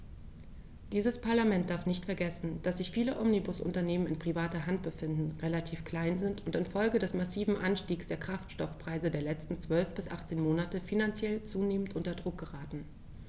Dieses Parlament darf nicht vergessen, dass sich viele Omnibusunternehmen in privater Hand befinden, relativ klein sind und in Folge des massiven Anstiegs der Kraftstoffpreise der letzten 12 bis 18 Monate finanziell zunehmend unter Druck geraten.